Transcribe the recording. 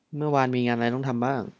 เมื่อวานมีงานอะไรบ้าง